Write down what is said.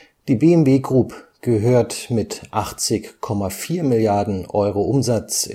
Die BMW Group gehört mit 80,4 Milliarden Euro Umsatz